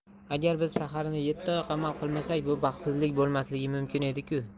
agar biz shaharni yetti oy qamal qilmasak bu baxtsizlik bo'lmasligi mumkin edi ku